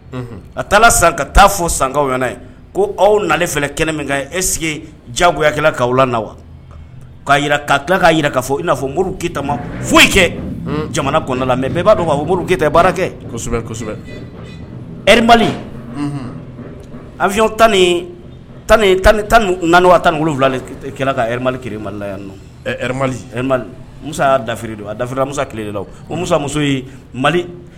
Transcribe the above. Jagoya wa jira i'a fɔ mori kema foyi kɛ jamana la mɛ bbaa b'a fɔ baara kɛ a tan ni tan ni tan tan naani tanwula kela yan mu daridon dara mu tile o mumuso